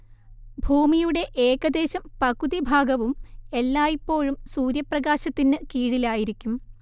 ഭൂമിയുടേ ഏകദേശം പകുതി ഭാഗവും എല്ലായ്പ്പോഴും സൂര്യപ്രകാശത്തിന്ന് കീഴിലായിരിക്കും